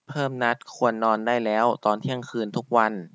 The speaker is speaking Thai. เพิ่มนัดควรนอนได้แล้วตอนเที่ยงคืนทุกวัน